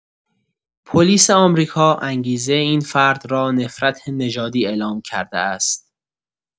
پلیس آمریکا انگیزه این فرد را نفرت نژادی اعلام کرده است.